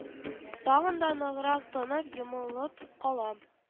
Тагын да ныграк тынып-йомылып калам